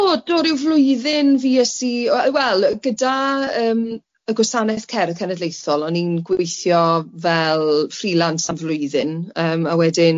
O, do, ryw flwyddyn fues i wel gyda yym y gwasanaeth cerdd cenedlaethol o'n i'n gweithio fel freelance am flwyddyn yym a wedyn